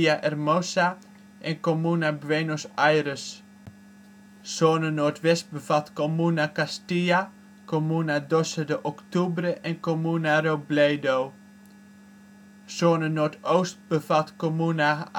Hermosa, Comuna Buenos Aires Zone noordwest: Comuna Castilla, Comuna Doce de Octubre, Comuna Robledo Zone noordoost: Comuna